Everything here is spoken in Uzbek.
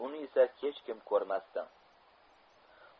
uni esa hech kim ko'rmasdi